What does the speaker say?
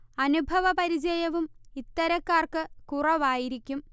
അനുഭവ പരിചയവും ഇത്തരക്കാർക്ക് കുറവായിരിക്കും